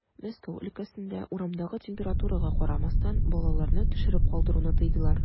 Мәскәү өлкәсендә, урамдагы температурага карамастан, балаларны төшереп калдыруны тыйдылар.